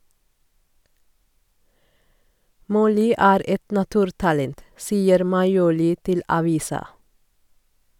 Molly er et naturtalent, sier Maioli til avisa.